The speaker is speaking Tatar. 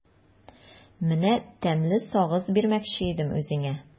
Менә тәмле сагыз бирмәкче идем үзеңә.